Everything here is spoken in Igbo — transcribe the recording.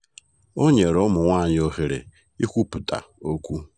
O nyere ụmụ nwaanyị ohere ikwupụta okwu.